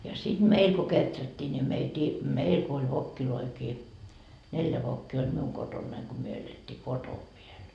ja sitten meillä kun kehrättiin niin - meillä kun oli vokkejakin neljä vokkia oli minun kotonani kun me elettiin kotona vielä